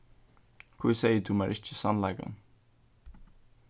hví segði tú mær ikki sannleikan